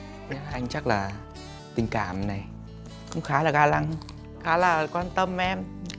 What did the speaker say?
anh chắc là tình cảm này cũng khá là ga lăng khá là quan tâm em